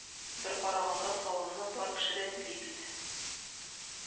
Бер караганда салымны бар кеше дә түли бит